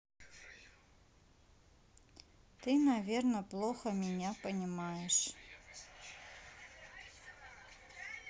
ты наверное меня плохо понимаешь